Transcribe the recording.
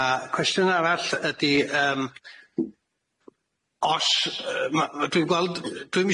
A cwestiwn arall ydi yym os yy ma' ma' dwi'n gweld dwi'm